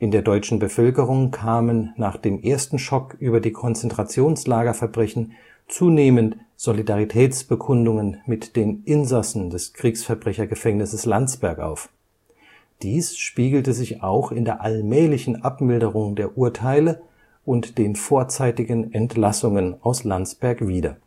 der deutschen Bevölkerung kamen nach dem ersten Schock über die Konzentrationslagerverbrechen zunehmend Solidaritätsbekundungen mit den Insassen des Kriegsverbrechergefängnisses Landsberg auf. Dies spiegelte sich auch in der allmählichen Abmilderung der Urteile und den vorzeitigen Entlassungen aus Landsberg wider